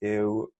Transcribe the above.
yw